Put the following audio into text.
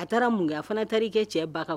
A taara mun kɛ a fana tari kɛ cɛ ba kan